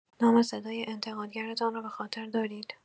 نام صدای انتقادگرتان را به‌خاطر دارید؟